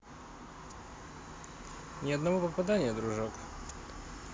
ни одного попадания дружок